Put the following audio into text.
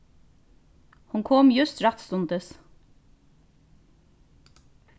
hon kom júst rættstundis